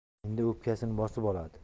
endi o'pkasini bosib oladi